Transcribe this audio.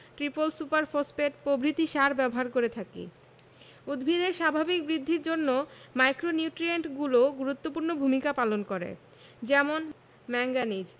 triple super phosphate প্রভৃতি সার ব্যবহার করে থাকি উদ্ভিদের স্বাভাবিক বৃদ্ধির জন্য মাইক্রোনিউট্রিয়েন্টগুলোও গুরুত্বপূর্ণ ভূমিকা পালন করে যেমন ম্যাংগানিজ